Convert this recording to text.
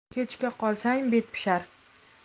kechga qolsang bet pishar